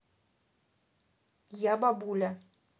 я бабуля